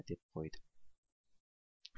deb ko'ydi